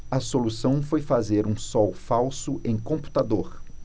a solução foi fazer um sol falso em computador